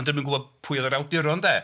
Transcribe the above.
Ond 'di nhw'm yn gwybod pwy oedd yr awduron de.